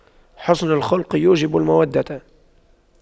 حُسْنُ الخلق يوجب المودة